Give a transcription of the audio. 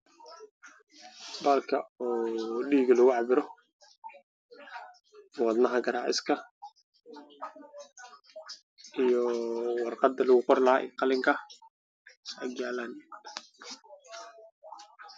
Meeshan waxa ay ka muuqday qoraal qoraalkaas oo ah tayo iyo hufnaan